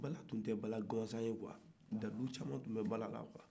bala in tun tɛ bala gansan ye tallu caaman tun bɛ a la